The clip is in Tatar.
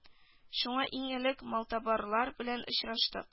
Шуңа иң элек малтабарлар белән очраштык